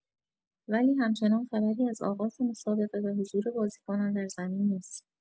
ولی همچنان خبری از آغاز مسابقه و حضور بازیکنان در زمین نیست